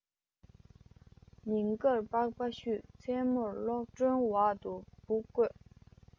ཉིན དཀར པགས པ བཤུས མཚན མོར གློག སྒྲོན འོག ཏུ འབུ བརྐོས